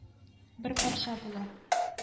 Бер патша була